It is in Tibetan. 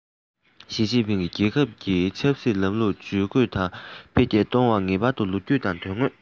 ཞིས ཅིན ཕིང གིས རྒྱལ ཁབ ཀྱི ཆབ སྲིད ལམ ལུགས ཇུས བཀོད དང འཕེལ རྒྱས གཏོང བར ངེས པར དུ ལོ རྒྱུས དང དོན དངོས དང